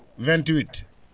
28